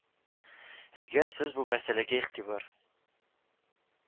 Әгәр Сез бу мәсьәләгә игътибар